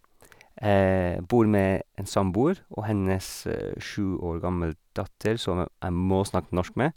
Bor med en samboer og hennes sju år gammel datter som æ jeg må snakke norsk med.